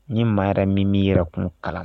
Ne maa yɛrɛ min b'i yɛrɛkun kalan